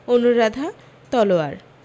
অনুরাধা তলোয়ার